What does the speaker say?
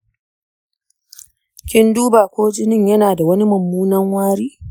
kin duba ko jinin yana da wani mummunan wari?